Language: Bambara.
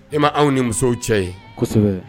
E ma anw ni musow cɛ ye? Kɔsɛbɛ